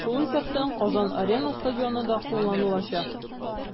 Шул исәптән "Казан-Арена" стадионы да кулланылачак.